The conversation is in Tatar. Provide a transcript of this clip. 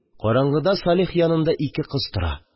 Караңгыда салих янында ике кыз тора